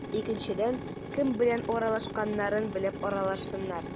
Икенчедән, кем белән аралашканнарын белеп аралашсыннар.